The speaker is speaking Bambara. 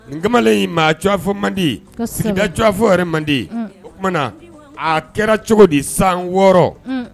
Kamalen in maa cwa fɔ mandi sinkawafɔ mande o tumana na a kɛra cogo di san wɔɔrɔ